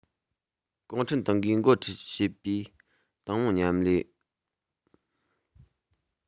གུང ཁྲན ཏང གིས འགོ ཁྲིད བྱེད པའི ཏང མང མཉམ ལས